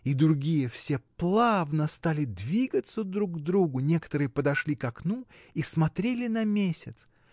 И другие все плавно стали двигаться друг к другу, некоторые подошли к окну и смотрели на месяц.